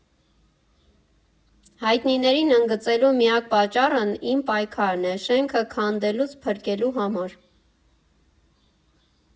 Հայտնիներին ընդգծելու միակ պատճառն իմ պայքարն է՝ շենքը քանդելուց փրկելու համար։